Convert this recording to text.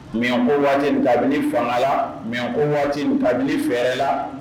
Mɛko waati tabi f la mɛko waati ta fɛrɛ la